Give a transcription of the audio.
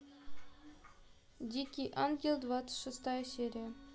дикий ангел двадцать шестая серия